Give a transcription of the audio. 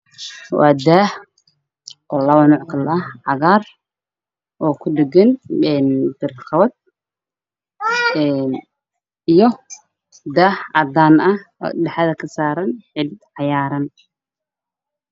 Halkaan waxaa ka muuqdo labo daah mid waa cagaar dhexda xarig uga xiran midka kalena waa cadaan dhexda cagaar ka ah